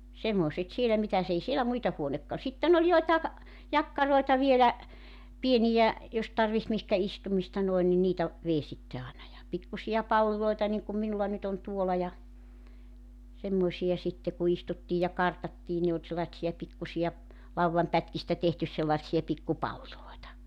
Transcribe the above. semmoiset siellä mitäs ei siellä muita - sitten oli joitakin jakkaroita vielä pieniä jos tarvitsi mihinkä istumista noin niin niitä vei sitten aina ja pikkuisia palleja niin kuin minulla nyt on tuolla ja semmoisia sitten kun istuttiin ja kartattiin ne oli sellaisia pikkuisia laudanpätkistä tehty sellaisia pikku palleja